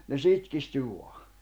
ne sitkistyi vain